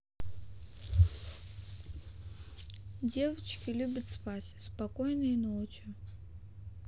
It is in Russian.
девочки любят спать спокойной ночи